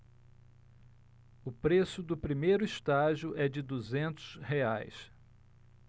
o preço do primeiro estágio é de duzentos reais